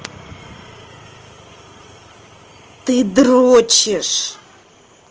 ты дрочишь